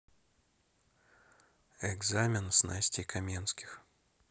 экзамен с настей каменских